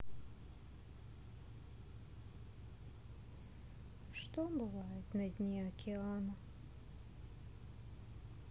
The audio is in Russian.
что бывает на дне океана